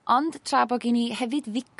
ond tra bo' gin ni hefyd